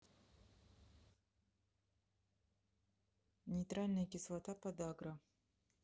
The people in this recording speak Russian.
нейтральная кислота подагра